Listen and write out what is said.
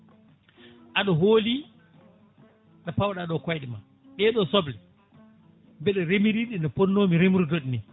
aɗa hooli ɗo pawɗa ɗo koyɗema ɗeɗo soble mbeɗe remiriɗe no ponnomi remrude ni